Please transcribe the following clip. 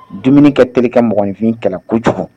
Dumunikɛ terikɛ minfin kɛlɛ kojugu